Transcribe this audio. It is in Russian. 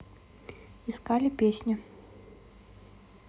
искали песня